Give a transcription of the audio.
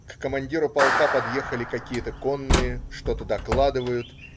К командиру полка подъехали какие-то конные, что-то докладывают.